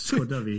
Sgoda fi.